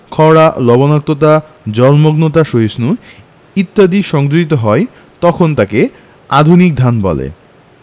খরা লবনাক্ততা জলমগ্নতা সহিষ্ণু ইত্যাদি সংযোজিত হয় তখন তাকে আধুনিক ধান বলে